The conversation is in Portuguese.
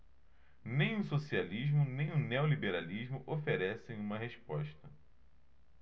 nem o socialismo nem o neoliberalismo oferecem uma resposta